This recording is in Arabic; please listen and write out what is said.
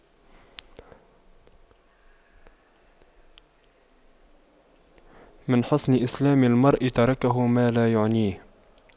من حسن إسلام المرء تَرْكُهُ ما لا يعنيه